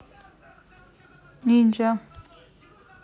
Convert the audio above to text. ninja